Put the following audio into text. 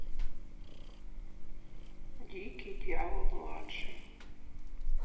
дикий дьявол младший